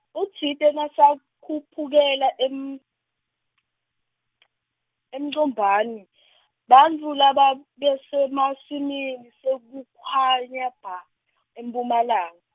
utsite nasakhuphukela em- , eMgcobani , bantfu lababesemasimini sekukhanya bha , eMphumalanga.